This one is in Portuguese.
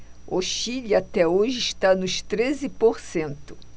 o chile até hoje está nos treze por cento